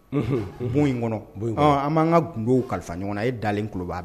Unhun, bon in kɔnɔ, ɔɔ, an b'an ka gundow kalifa ɲɔgɔn na, e dalen tulo b'a la